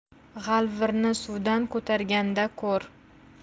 g'alvirni suvdan ko'targanda ko'r